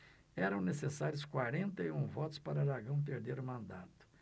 eram necessários quarenta e um votos para aragão perder o mandato